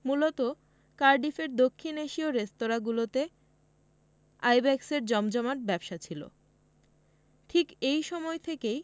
মূলত কার্ডিফের দক্ষিণ এশীয় রেস্তোরাঁগুলোতে আইব্যাকসের জমজমাট ব্যবসা ছিল ঠিক এই সময় থেকেই